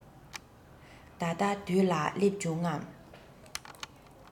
ད ལྟ དུས ལ བསླེབས བྱུང ངམ